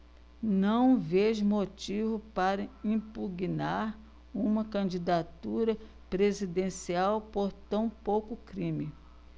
não vejo motivo para impugnar uma candidatura presidencial por tão pouco crime